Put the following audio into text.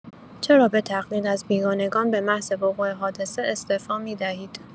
چرا به تقلید از بیگانگان به محض وقوع حادثه استعفا می‌دهید؟